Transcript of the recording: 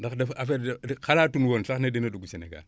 ndax dafa affaires yi da xaalatunu woon sax ne dina dugg Sénégal